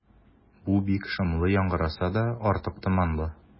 Бу бик шомлы яңгыраса да, артык томанлы.